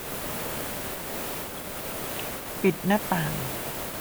ปิดหน้าต่าง